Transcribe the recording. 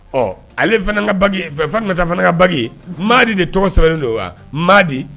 Ɔ ale kata fana kaba madi de tɔgɔ sɛbɛn don wa madi